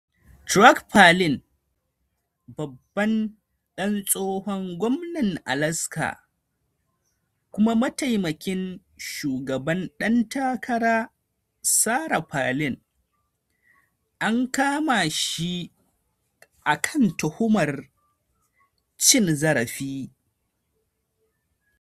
Track Palin, babban dan tsohon gwanan Alaska kuma mataimakin shugaban dan takara Sarah Palin, an kama shi kan tuhumar cin zarafi.